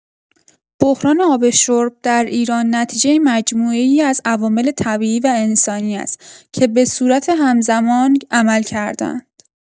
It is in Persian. بحران آب شرب در ایران نتیجه مجموعه‌ای از عوامل طبیعی و انسانی است که به صورت هم‌زمان عمل کرده‌اند: